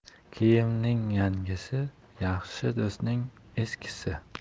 kiyimning yangisi yaxshi do'stning eskisi